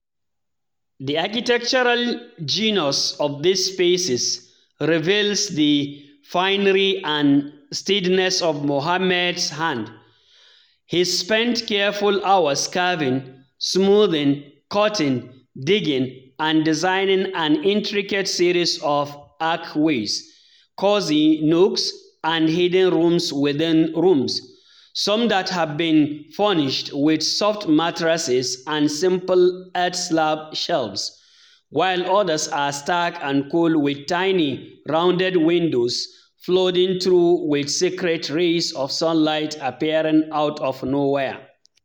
The architectural genius of these spaces reveals the finery and steadiness of Mohammed’s hand – he’s spent careful hours carving, smoothing, cutting, digging, and designing an intricate series of archways, cosy nooks and hidden rooms within rooms, some that have been furnished with soft mattresses and simple earth-slab shelves, while others are stark and cool with tiny, rounded windows flooding through with secret rays of sunlight appearing out of nowhere.